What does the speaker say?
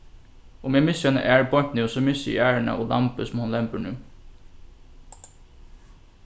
um eg missi eina ær beint nú so missi eg ærina og lambið sum hon lembir nú